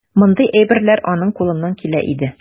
Мондый әйберләр аның кулыннан килә иде.